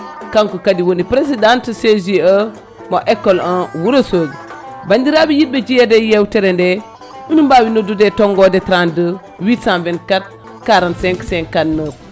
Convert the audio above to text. kanko kadi woni présidente CJE mo école 1 Wourossogui bandiraɓe yiidɓe jeeyede e yewtere nde oɗon mbawi noddude e toggode 32 824 45 59